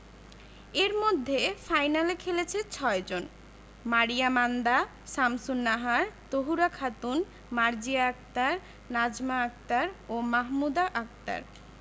এর মধ্যে ফাইনালে খেলেছে ৬ জন মারিয়া মান্দা শামসুন্নাহার তহুরা খাতুন মার্জিয়া আক্তার নাজমা আক্তার ও মাহমুদা আক্তার